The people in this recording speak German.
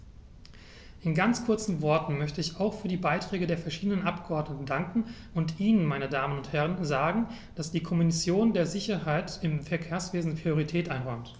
In ganz kurzen Worten möchte ich auch für die Beiträge der verschiedenen Abgeordneten danken und Ihnen, meine Damen und Herren, sagen, dass die Kommission der Sicherheit im Verkehrswesen Priorität einräumt.